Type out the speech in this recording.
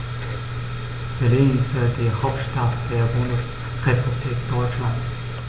Berlin ist die Hauptstadt der Bundesrepublik Deutschland.